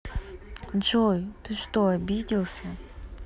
джой ты что обиделся